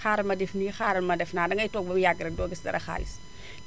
cxaaral ma def nii xaaral ma def naa dangay toog ba mu yàgg rek doo gis dara xaalis